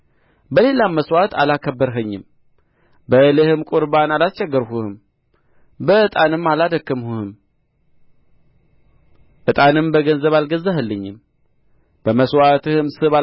በሌላም መሥዋዕትህ አላከበርኸኝም በእህልም ቍርባን አላስቸገርሁህም በዕጣንም አላደከምሁህም ዕጣንም በገንዘብ አልገዛህልኝም በመሥዋዕትህም ስብ